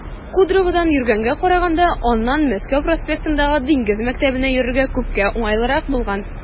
Кудроводан йөргәнгә караганда аннан Мәскәү проспектындагы Диңгез мәктәбенә йөрергә күпкә уңайлырак булган.